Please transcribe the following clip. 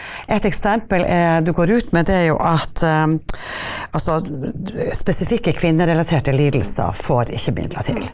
et eksempel er du går ut med det er jo at altså spesifikke kvinnerelaterte lidelser får ikke midler til.